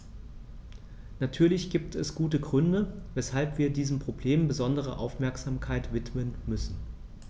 Natürlich gibt es gute Gründe, weshalb wir diesem Problem besondere Aufmerksamkeit widmen müssen.